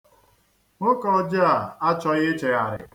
Nwoke ọjọọ a achọghị ichegharị.